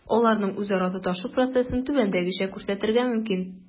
Аларның үзара тоташу процессын түбәндәгечә күрсәтергә мөмкин: